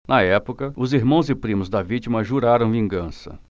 na época os irmãos e primos da vítima juraram vingança